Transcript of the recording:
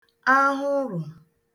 ahụrụ̀